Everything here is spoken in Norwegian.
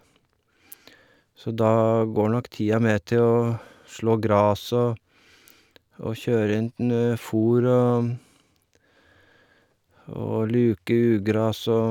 Så da går nok tida med til å slå graset og og kjøre rundt ne fôr og og luke ugras og...